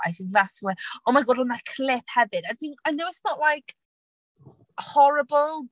I think that's where... Oh my God oedd 'na clip hefyd. I know it's not like horrible.